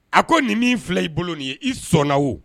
A ko nin min fila i bolo nin ye i sɔnna wo